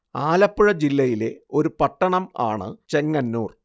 ആലപ്പുഴ ജില്ലയിലെ ഒരു പട്ടണം ആണ് ചെങ്ങന്നൂർ